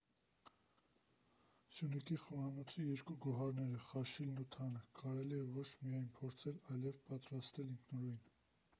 Սյունիքի խոհանոցի երկու գոհարները՝ խաշիլն ու թանը, կարելի է ոչ միայն փորձել, այլև պատրաստել ինքնուրույն։